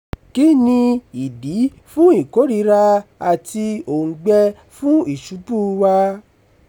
Kí ni ìdí fún ìkórìíra àti òǹgbẹ fún ìṣubúu wa?